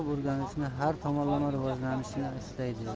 o'qib o'rganishni har tomonlama rivojlanishni istaydi